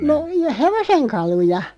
no hevosenkaluja